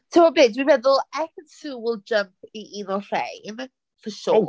Timod be dwi'n meddwl Ekin Su will jump i un o'r rhain for sure...